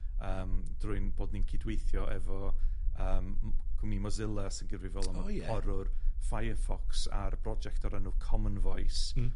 yym drwy'n bod ni'n cydweithio efo yym m- cwmni Mozilla sy'n gyfrifol am y... O ie? porwr Firefox, a'r broject o'r enw Common Voice. Hmm.